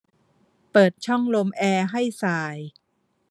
เปิดช่องลมแอร์ให้ส่าย